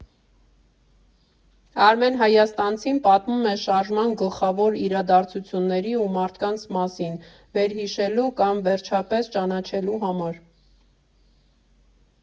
Արմեն Հայաստանցին պատմում է Շարժման գլխավոր իրադարձությունների ու մարդկանց մասին՝ վերհիշելու կամ վերջապես ճանաչելու համար։